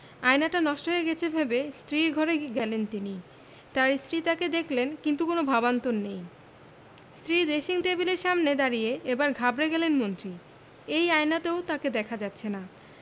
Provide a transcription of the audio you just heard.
আয়নাটা নষ্ট হয়ে গেছে ভেবে স্ত্রীর ঘরে গেলেন তিনি তাঁর স্ত্রী তাঁকে দেখলেন কিন্তু কোনো ভাবান্তর নেই স্ত্রীর ড্রেসিং টেবিলের সামনে দাঁড়িয়ে এবার ঘাবড়ে গেলেন মন্ত্রী এই আয়নাতেও তাঁকে দেখা যাচ্ছে না